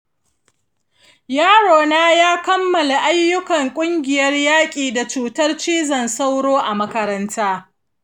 yarona ya kammala ayyukan ƙungiyar yaƙi da cutar cizon sauro a makaranta.